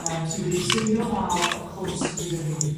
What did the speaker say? Yym sy wedi eu seilio ar y cwrs sy gyda ni